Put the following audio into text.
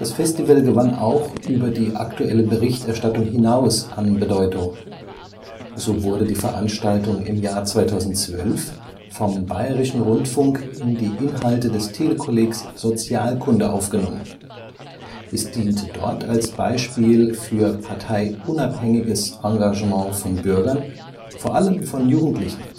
Festival gewann auch über die aktuelle Berichterstattung hinaus an Bedeutung. So wurde die Veranstaltung im Jahr 2012 vom Bayerischen Rundfunk in die Inhalte des Telekollegs Sozialkunde aufgenommen. Es diente dort als Beispiel für parteiunabhängiges Engagement von Bürgern, vor allem von Jugendlichen